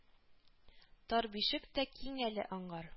Тар бишек тә киң әле аңгар